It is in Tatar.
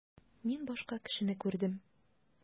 Мин башка кешене күрдем.